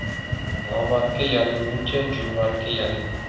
nomardga yalinguncha jo'mardga yalin